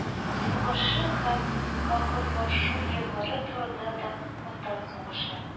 Сугышы һәм колхозлашу еллары турында да, ватан сугышы